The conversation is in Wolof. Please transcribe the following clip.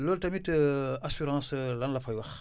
loolu tamit assurance lan la fay wax